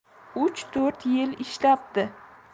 uch to'rt yil ishlabdi